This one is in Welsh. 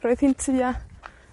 roedd hi'n tua